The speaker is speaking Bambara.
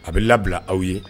A bɛ labila aw ye